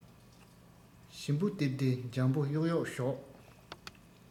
ཞིམ པོ སྟེར སྟེར འཇམ པོ གཡོག གཡོག ཞོག